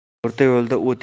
o'rta yo'lda oting